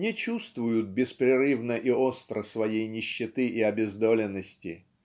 не чувствуют беспрерывно и остро своей нищеты и обездоленности